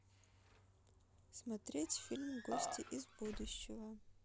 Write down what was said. смотреть фильм гости из будущего